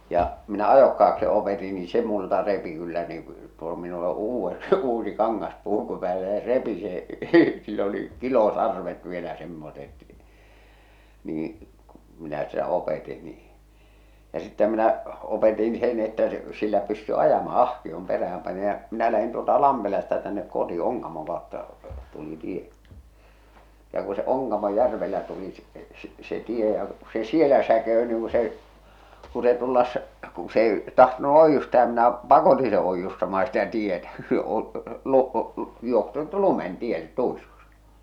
ja minä - se opetti niin se minulta repi kyllä niin tuo minulla on - uusi kangaspuku päällä ja se repi sen sillä oli kilosarvet vielä semmoiset niin kun minä sitä opetin niin ja sittenhän minä opetin sen että - sillä pystyi ajamaan ahkion perään pani ja minä lähdin tuolta Lampelasta tänne koti Onkamon kautta tuli tie ja kun se Onkamojärvellä tuli -- se tie ja se siellä säkeytyi niin kun se kun se tulla kun se ei tahtonut oiustaa ja minä pakotin se oiustamaan sitä tietä -- johtanut lumen tielle tuiskusi